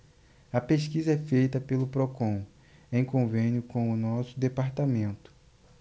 a pesquisa é feita pelo procon em convênio com o diese